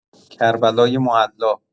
کربلای معلی